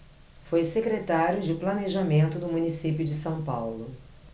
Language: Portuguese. foi secretário de planejamento do município de são paulo